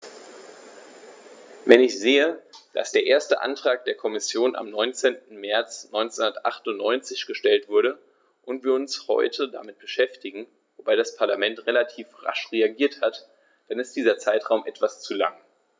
Wenn ich sehe, dass der erste Antrag der Kommission am 19. März 1998 gestellt wurde und wir uns heute damit beschäftigen - wobei das Parlament relativ rasch reagiert hat -, dann ist dieser Zeitraum etwas zu lang.